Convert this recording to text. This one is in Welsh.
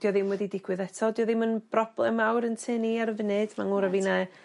'di o ddim wedi digwydd eto 'di o ddim yn broblem mawr yn tŷ ni ar y funud, ma'n ngŵr a finne